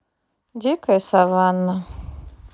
дикая саванна